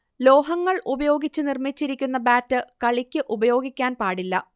ലോഹങ്ങൾ ഉപയോഗിച്ച് നിർമിച്ചിരിക്കുന്ന ബാറ്റ് കളിക്ക് ഉപയോഗിക്കാൻ പാടില്ല